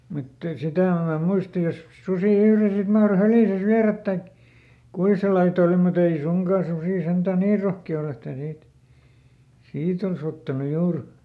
mutta sitä en minä muista jos susi yhden sitten mahtoi hädissänsä viedä tai kuinka sen laita oli mutta ei suinkaan susi sentään niin rohkea ole että niitä siitä olisi ottanut juuri